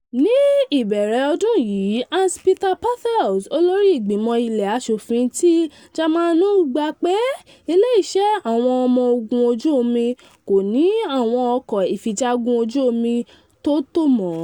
Ní ìbẹ̀rẹ̀ ọdún yìí, Hans-Peter Bartels, olórí ìgbìmọ̀ ilé aṣòfin ti Jámànù, gbà pé Ilé iṣẹ́ àwọn ọmọ ogun ojú omi “kò ní àwon ọkọ ìfijagún ojú omi tó tó mọ́.”